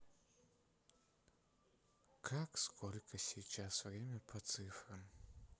как сколько сейчас время по цифрам